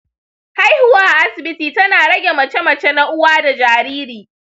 haihuwa a asibiti tana rage mace-mace na uwa da jariri.